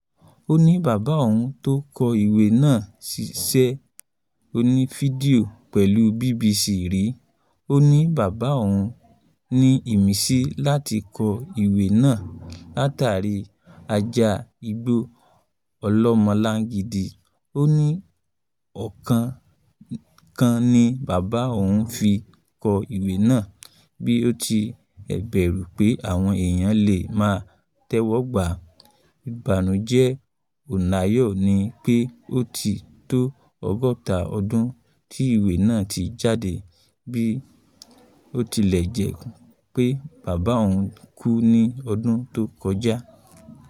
Ó ní bàbá òun tó kọ ìwé ná́à ṣiṣẹ́ onífídíò pẹ̀lú BBC rìí. Ó ní bàbá òun ní ìmísí láti kọ ìwé náà látàrí ajá igbó ọlọ́mọlangidi. Ó ní ọkàn kan ni bàbá òun fi kọ ìwé náà bí ó tiẹ̀ ń bẹ̀rù pé àwọn èèyàn lè máa tẹ́wọ́gbà á. “Ìbànújẹ́oọunayọ̀” ni pé ó ti tó ọgọ́ta ọdún tí ìwé náà ti jáde bí ó tilẹ̀ jẹ́ pé bàbá òun kú ní ọdún tó kọjá.